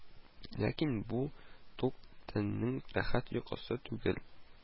Ләкин бу тук тәннең рәхәт йокысы түгел